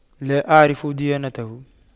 لا اعرف ديانته